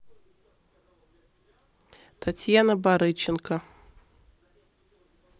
татьяна барыченко